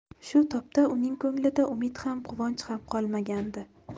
shu topda uning ko'nglida umid ham quvonch ham qolmagandi